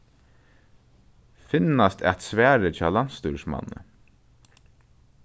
finnast at svari hjá landsstýrismanni